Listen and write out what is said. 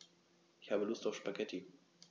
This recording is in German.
Ich habe Lust auf Spaghetti.